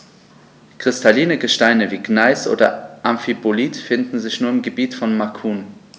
Kristalline Gesteine wie Gneis oder Amphibolit finden sich nur im Gebiet von Macun.